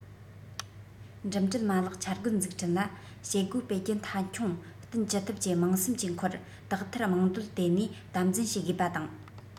འགྲིམ འགྲུལ མ ལག འཆར འགོད འཛུགས སྐྲུན ལ བྱེད སྒོ སྤེལ རྒྱུ མཐའ འཁྱོངས བསྟུན ཅི ཐུབ ཀྱིས དམངས སེམས ཀྱི འཁོར དག ཐེར དམངས འདོད དེད ནས དམ འཛིན བྱེད དགོས པ དང